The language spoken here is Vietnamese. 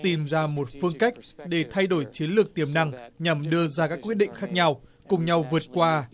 tìm ra một phương cách để thay đổi chiến lược tiềm năng nhằm đưa ra các quy định khác nhau cùng nhau vượt qua